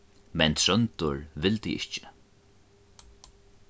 men tróndur vildi ikki